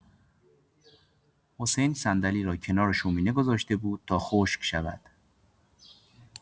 حسین صندلی را کنار شومینه گذاشته بود تا خشک شود.